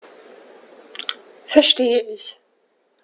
Verstehe nicht.